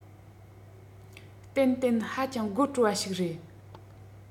ཏན ཏན ཧ ཅང དགོད སྤྲོ བ ཞིག རེད